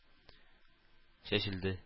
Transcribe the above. Чәчелде